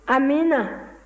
amiina